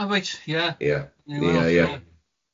O reit, ie... Ia. Ia, ia.